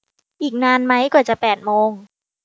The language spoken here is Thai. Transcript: อีกนานไหมกว่าจะแปดโมง